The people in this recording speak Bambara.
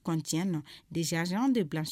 Kɔn tiyɛn nɔ dezɔn de bila